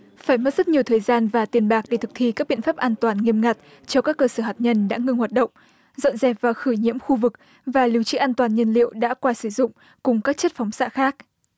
phải mất rất nhiều thời gian và tiền bạc để thực thi các biện pháp an toàn nghiêm ngặt cho các cơ sở hạt nhân đã ngưng hoạt động dọn dẹp và khử nhiễm khu vực và lưu trữ an toàn nhiên liệu đã qua sử dụng cùng các chất phóng xạ khác